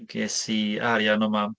Ges i arian o Mam.